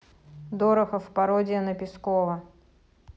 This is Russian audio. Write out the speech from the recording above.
дорохов пародия на пескова